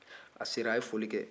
a sera a ye foli kɛ